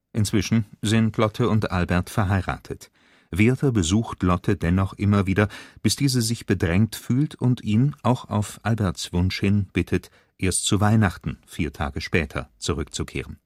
Inzwischen sind Lotte und Albert verheiratet. Werther besucht Lotte dennoch immer wieder, bis diese sich bedrängt fühlt und ihn (auch auf Alberts Wunsch hin) bittet, erst zu Weihnachten (vier Tage später) zurückzukehren